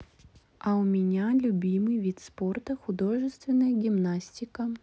а у меня любимый вид спорта художественная гимнастика